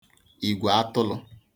ìgwè atụlụ̄